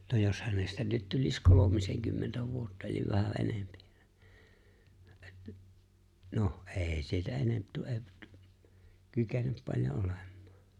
no jos hänestä nyt tulisi kolmisenkymmentä vuotta eli vähän enempi no ei sieltä enemmän ---- kykene paljon olemaan